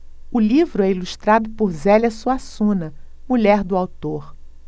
o livro é ilustrado por zélia suassuna mulher do autor